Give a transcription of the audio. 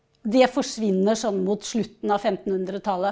det forsvinner sånn mot slutten av femtenhundretallet.